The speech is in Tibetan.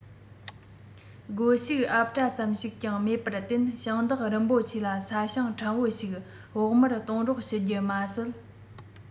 སྒོ ཕྱུགས ཨབ བྲ ཙམ ཞིག ཀྱང མེད པར བརྟེན ཞིང བདག རིན པོ ཆེ ལ ས ཞིང ཕྲན བུ ཞིག བོགས མར གཏོང རོགས ཞུ རྒྱུ མ ཟད